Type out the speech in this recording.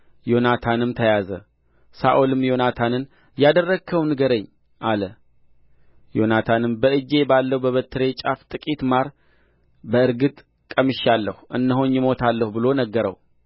ዮናታንም ተያዘ ሳኦልም ዮናታንን ያደረግኸውን ንገረኝ አለው ዮናታንም በእጄ ባለው በበትሬ ጫፍ ጥቂት ማር በእርግጥ ቀምሻለሁ እነሆኝ እሞታለሁ ብሎ ነገረው